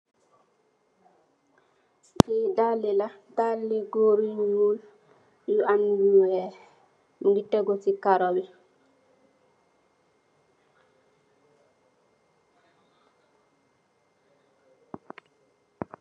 Li dalla la, dalli gór yu ñuul yu am lu wèèx, mugii tégu ci karó bi .